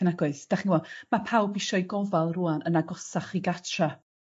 Yn nagoes? 'Dach chi'mo' ma' pawb isio'u gofal rŵan yn agosach i gartra.